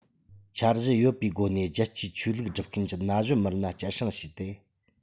འཆར གཞི ཡོད པའི སྒོ ནས རྒྱལ གཅེས ཆོས ལུགས སྒྲུབ མཁན གྱི ན གཞོན མི སྣ སྐྱེད བསྲིང བྱས ཏེ